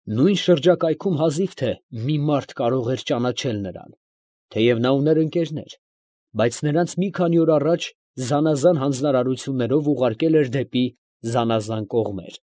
Նույն շրջակայքում հազիվ թե մի մարդ կարող էր ճանաչել նրան, թեև նա ուներ ընկերներ, բայց նրանց մի քանի օր առաջ զանազան հանձնարարություններով ուղարկել էր դեպի զանազան կողմեր։